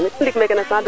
miyo mi Fatou Diop